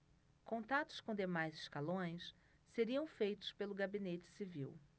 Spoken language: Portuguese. contatos com demais escalões seriam feitos pelo gabinete civil